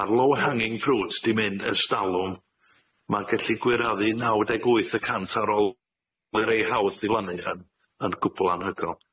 Ma'r low-hanging fruit di mynd ers dalwm. Ma'n gellu gwireddu naw deg wyth y cant ar ôl i rei hawdd ddiflannu yn yn gwbwl anhygol.